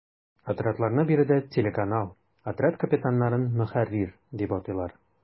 Отрядларны биредә “телеканал”, отряд капитаннарын “ мөхәррир” дип атыйлар.